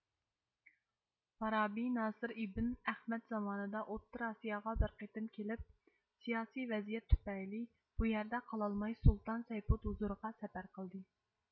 فارابى ناسىر ئىبن ئەخمەت زامانىدا ئوتتۇرا ئاسىياغا بىر قېتىم كىلىپ سىياسى ۋەزىيەت تۈپەيلى بۇ يەردە قالالماي سۇلتان سەيپۇد ھۇزۇرىغا سەپەر قىلدى